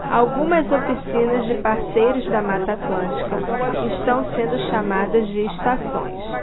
algumas oficinas de parceiros da mata atlântica estão sendo chamadas de estações